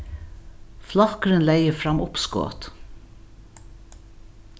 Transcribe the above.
flokkurin legði fram uppskot